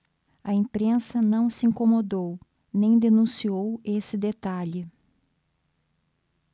a imprensa não se incomodou nem denunciou esse detalhe